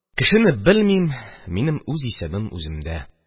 Кешене белмим, минем үз исәбем үземдә.